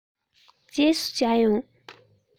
རྗེས སུ མཇལ ཡོང